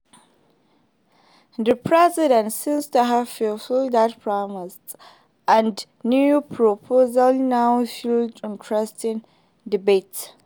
The president seems to have fulfilled that promise, and new proposals now fuel interesting debates.